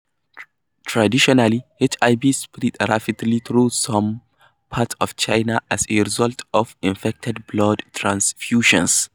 Traditionally, HIV spread rapidly through some parts of China as a result of infected blood transfusions.